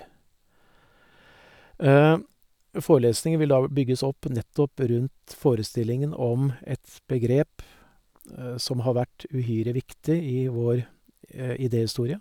Forelesningen vil da vu bygges opp nettopp rundt forestillingen om et begrep som har vært uhyre viktig i vår idéhistorie.